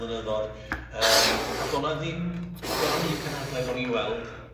blynyddodd yym a do' 'na ddim do' 'na'm un cynhadledd o'n i weld